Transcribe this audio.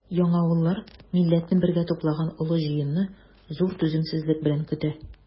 Яңавыллар милләтне бергә туплаган олы җыенны зур түземсезлек белән көтә.